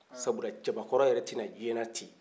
sabula cɛbakɔrɔ yɛrɛ te na jiɲɛna ten